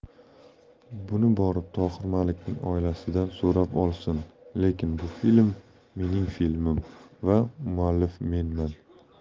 buni borib tohir malikning oilasidan so'rab olsin lekin bu film mening filmim va muallif menman